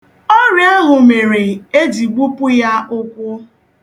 Ọrịa ahụ mere e ji gbupụ ya ụkwụ.